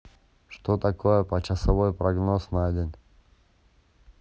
что такое почасовой прогноз на день